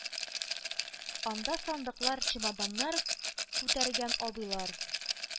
Анда сандыклар, чемоданнар күтәргән абыйлар.